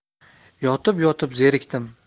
yotib yotib zerikdim